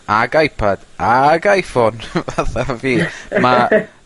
ag iPad ag Iphone fatha fi ma'